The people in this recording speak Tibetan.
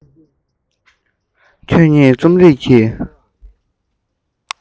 ཁྱོད ཉིད རྩོམ རིག གི